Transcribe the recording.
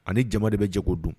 Ani jama de bɛ jɛgo dun